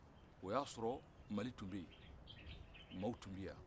o y'a sɔrɔ mali tun bɛ maaw tun bɛ yan